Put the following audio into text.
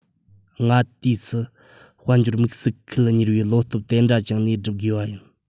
སྔ དུས སུ དཔལ འབྱོར དམིགས བསལ ཁུལ གཉེར བའི བློ སྟོབས དེ འདྲ བཅངས ནས བསྒྲུབ དགོས པ ཡིན